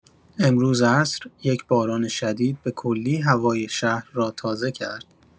امروز عصر، یک باران شدید به‌کلی هوای شهر را تازه کرد.